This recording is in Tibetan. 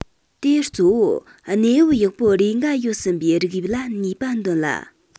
དེས གཙོ བོ གནས བབ ཡག པོ རེ འགའ ཡོད ཟིན པའི རིགས དབྱིབས ལ ནུས པ འདོན ལ